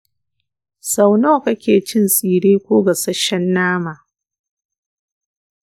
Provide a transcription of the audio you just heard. sau nawa kake cin tsire ko gasasshen nama?